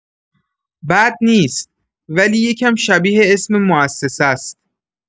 بد نیست، ولی یه کم شبیه اسم مؤسسه‌ست.